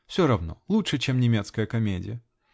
Все равно: лучше, чем немецкая комедия.